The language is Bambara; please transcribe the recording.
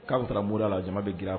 K'a tun taara moriya la jama bɛ girin a k